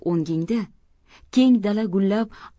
o'ngingda keng dala gullab